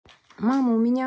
мама у меня